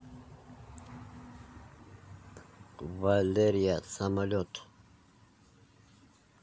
валерия самолет